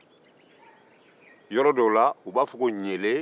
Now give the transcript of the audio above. yɔrɔ dɔs la u b'a fɔ ko ɲele